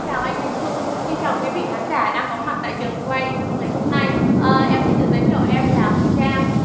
chào anh thành trung xin chào quý vị khán giả đang có mặt tại trường quay ngày hôm nay a em xin tự giới thiệu em là hồng trang